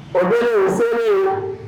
O den sera